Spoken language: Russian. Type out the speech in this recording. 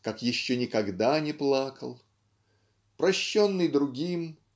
как еще никогда не плакал. Прощенный другим